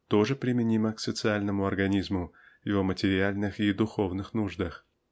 То же применимо к социальному организму в его материальных и духовных нуждах.